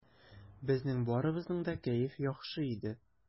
Безнең барыбызның да кәеф яхшы иде.